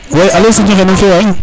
we alo Serigne noxe nam fiyo waay